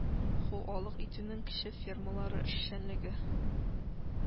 Ху алык итүнең кече формалары эшчәнлеге